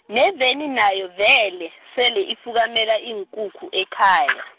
neveni nayo vele, sele ifukamela iinkukhu ekhaya.